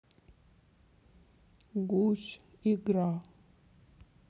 гусь игра